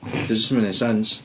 'Di o jyst ddim yn wneud sens.